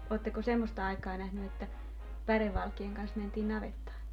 oletteko semmoista aikaa nähnyt että pärevalkean kanssa mentiin navettaan